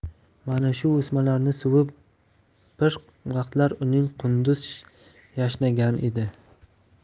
mana shu o'smalar suvi bir vaqtlar uning qunduz yashnagan edi